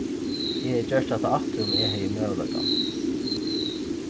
eg hevði gjørt hatta aftur um eg hevði møguleikan